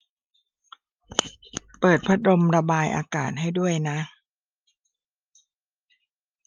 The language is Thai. เปิดพัดลมระบายอากาศให้ด้วยนะ